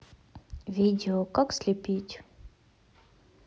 видео как слепить